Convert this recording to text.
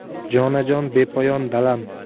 jonajon bepoyon dalam